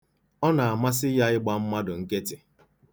Ọ na-amasị ya ịgba mmadụ nkịtị.